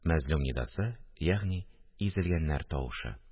Мәзлум нидасы, ягъни изелгәннәр тавышы